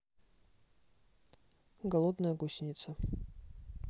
голодная гусеница